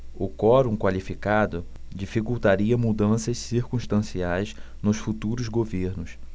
o quorum qualificado dificultaria mudanças circunstanciais nos futuros governos